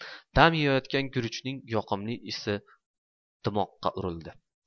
dam yeyayotgan gurunchning yoqimli isi dimoqqa urildi